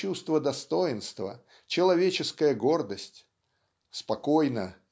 чувство достоинства, человеческая гордость. Спокойно